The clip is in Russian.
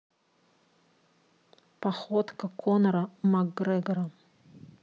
походка конора макгрегора